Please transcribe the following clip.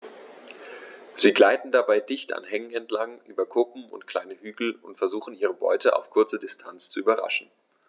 Sie gleiten dabei dicht an Hängen entlang, über Kuppen und kleine Hügel und versuchen ihre Beute auf kurze Distanz zu überraschen.